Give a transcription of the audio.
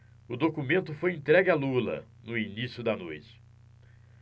o documento foi entregue a lula no início da noite